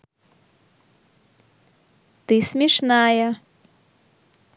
ты смешная